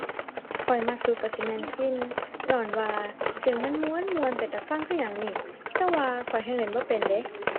ข้อยมักสุดก็สิแม่นพิณ ญ้อนว่า เสียงมันม่วนม่วนเป็นตาฟังคือหยังหนิ แต่ว่าข้อยแฮ่งเล่นบ่เป็นเดะ